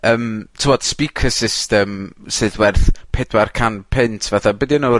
yym t'mod speaker system sydd werth pedwar can punt fatha be' 'di enw fo'r